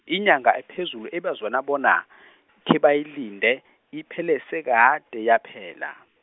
inyanga ephezulu ebezwana bona , khebayilinde, iphele sekade yaphela.